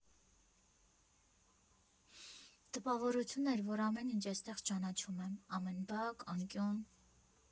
Տպավորություն էր, որ ամեն ինչ էստեղ ճանաչում եմ, ամեն բակ, անկյուն։